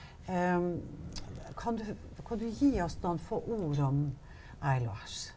kan du kan du gi oss noen få ord om Aillohas?